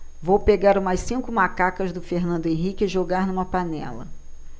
vou pegar umas cinco macacas do fernando henrique e jogar numa panela